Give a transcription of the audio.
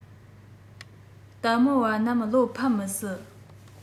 ལྟད མོ བ རྣམ བློ ཕམ མི སྲིད